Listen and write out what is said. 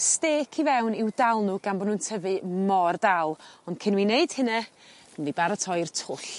stêc i fewn i'w dal n'w gan bo' nw'n tyfu mor dal ond cyn i mi neud hynna mynd i baratoi'r twll.